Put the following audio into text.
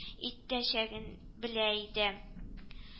Итәчәген белә иде